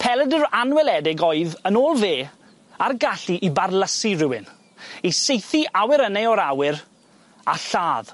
Peledr anweledig oedd, yn ôl fe, â'r gallu i barlysu rywun i saethu awyrenne o'r awyr, a lladd.